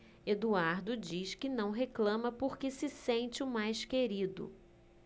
eduardo diz que não reclama porque se sente o mais querido